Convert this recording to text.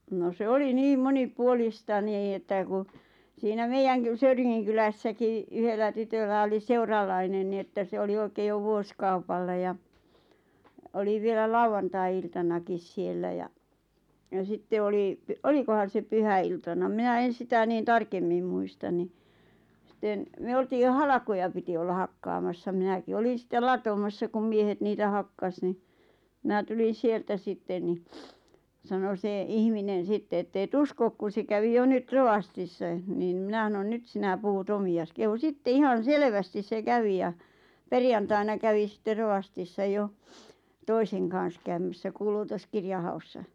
no se oli niin monipuolista niin että kun siinä meidän - Söyringin kylässäkin yhdellä tytöllä oli seuralainen niin että se oli oikein jo vuosikaupalla ja oli vielä lauantai-iltanakin siellä ja ja sitten oli olikohan se pyhäiltana minä en sitä niin tarkemmin muista niin sitten me oltiin jo halkoja piti olla hakkaamassa minäkin olin sitten latomassa kun miehet niitä hakkasi niin minä tulin sieltä sitten niin sanoi se ihminen sitten että et usko kun se kävi jo nyt rovastissa niin no minä sanoin nyt sinä puhut omiasi kehui sitten ihan selvästi se kävi ja perjantaina kävi sitten rovastissa jo toisen kanssa käymässä kuulutuskirjan haussa